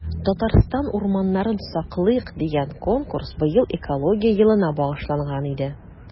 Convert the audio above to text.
“татарстан урманнарын саклыйк!” дигән конкурс быел экология елына багышланган иде.